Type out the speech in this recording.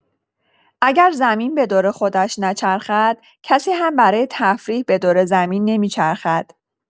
اگر زمین به دور خودش نچرخد، کسی هم برای تفریح به دور زمین نمی‌چرخد!